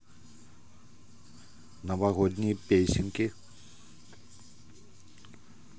новогодние песенки